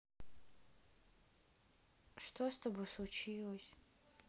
что с тобой случилось